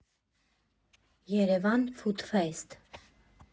Երևան ֆուդ ֆեսթ։